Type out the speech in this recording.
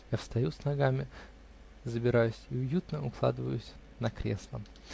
Я встаю, с ногами забираюсь и уютно укладываюсь на кресло.